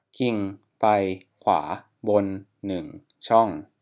คิงไปขวาบนหนึ่งช่อง